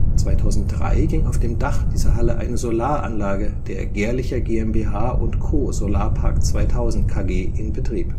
2003 ging auf dem Dach dieser Halle eine Solaranlage der Gehrlicher GmbH & Co Solarpark 2000 KG in Betrieb